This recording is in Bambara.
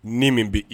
Ni min bɛ i